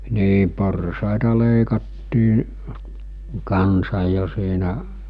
niin porsaita leikattiin kanssa jo siinä